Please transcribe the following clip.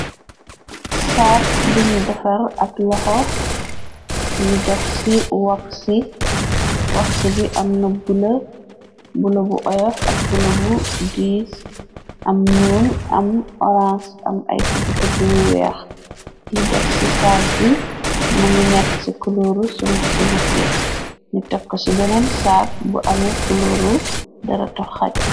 Saag buñu defar ak loxo, ñu def ci wagsi, wagsi bi am na bula bu oyof ak bula bu diis, am ñuul, am orans, am ay tupp topp yu weex, te li des ci saag bi më ngi nekk ci kulooru sungusi bukke, ñu tekk ci beneen saag bu ame kuluoru deretu xaj.